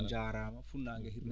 on njaaraama fuɗnaage e hiirnaange